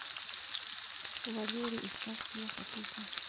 валерия и стас пьеха песня